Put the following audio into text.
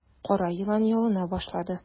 Кара елан ялына башлады.